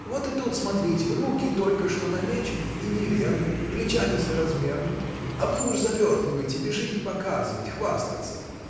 Вот и тут, смотрите, руки только что намечены, и неверно, плеча несоразмерны, а вы уж завертываете, бежите показывать, хвастаться.